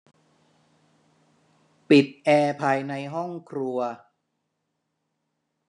ปิดแอร์ภายในห้องครัว